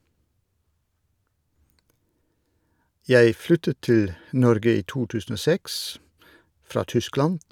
Jeg flyttet til Norge i to tusen og seks, fra Tyskland.